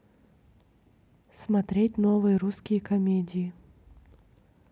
смотреть новые русские комедии